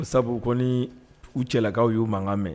Sabu kɔnni, u cɛlakaw y'u mankan mɛn.